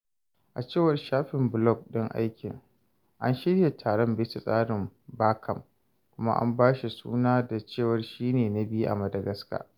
A cewar shafin blog ɗin aikin, an shirya taron bisa tsarin Barcamp, kuma an ba shi suna da cewa shine na biyu a Madagascar.